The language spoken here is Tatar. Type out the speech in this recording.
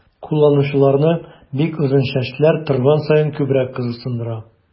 Кулланучыларны бик озын чәчләр торган саен күбрәк кызыксындыра.